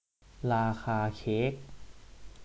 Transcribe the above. ราคาเค้ก